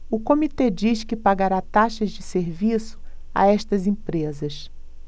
o comitê diz que pagará taxas de serviço a estas empresas